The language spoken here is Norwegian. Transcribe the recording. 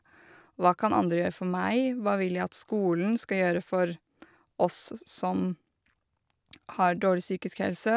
Hva kan andre gjøre for meg, hva vil jeg at skolen skal gjøre for oss s som har dårlig psykisk helse.